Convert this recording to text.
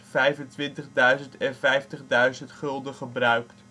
10.000, 25.000 en 50.000 gulden gebruikt